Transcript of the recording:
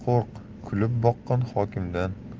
qo'rq kulib boqqan hokimdan